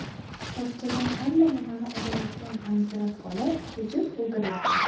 tokchadan allanimani olayotgan anzirat xola cho'chib o'girildi